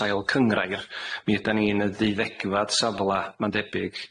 sail cynghrair, mi ydan ni'n y ddeuddegfad safle ma'n debyg.